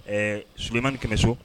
Ɛɛ suman ni kɛmɛ so